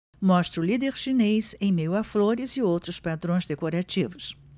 mostra o líder chinês em meio a flores e outros padrões decorativos